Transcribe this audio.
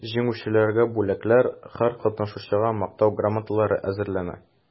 Җиңүчеләргә бүләкләр, һәр катнашучыга мактау грамоталары әзерләнә.